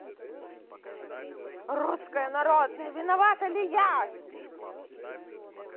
русская народная виновата ли я